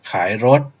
ขายรถ